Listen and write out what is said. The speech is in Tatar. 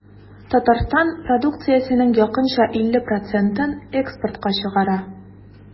Татарстан продукциясенең якынча 50 процентын экспортка чыгара.